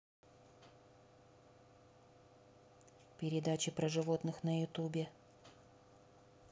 передачи про животных на ютубе